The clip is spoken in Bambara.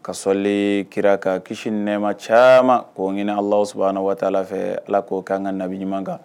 Ka sɔli kira kan kisi ni nɛma caman ko ɲinin Alahu subuhana wataala fɛ Ala k'o kɛ an ka nabi ɲuman kan